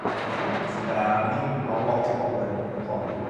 Ie m- ma' wnna'n cwestiwn da a ma'n un ma' lot o pobol yn yn holi.